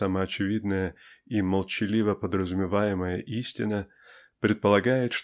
самоочевидная и молчаливо подразумеваемая истина -- предполагает